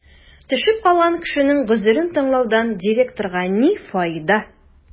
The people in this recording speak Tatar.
Төшеп калган кешенең гозерен тыңлаудан директорга ни файда?